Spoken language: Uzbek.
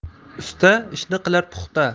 usta ishni qilar puxta